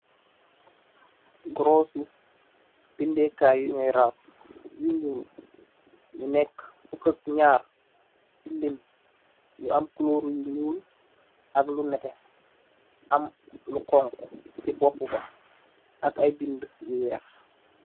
Gorusi bindeh kai yu werass mu neka fukak nyarr si lim mu amlu nyull ak lu xhong khu si bopam bi ak aye binduh